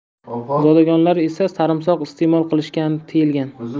zodagonlar esa sarimsoq iste'mol qilishgan tiyilgan